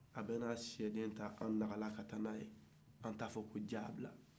a bɛ na sɛden ta an naga la ka taa n'an ye an t'a fɔ ko jaa a bila